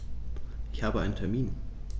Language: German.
Ich habe einen Termin.